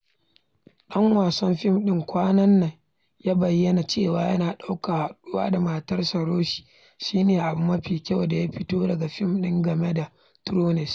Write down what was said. Ɗan wasan fim ɗin kwana nan ya bayyana cewa yana ɗaukan haɗuwa da matarsa Rose shi ne abu mafi kyau da ya fito daga fim ɗin Game of Thrones.